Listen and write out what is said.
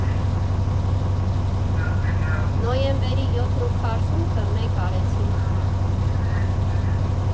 Նոյեմբերի յոթն ու քառսունքը մեկ արեցինք։